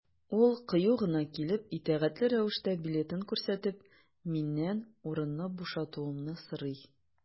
Ул кыю гына килеп, итәгатьле рәвештә билетын күрсәтеп, миннән урынны бушатуымны сорый.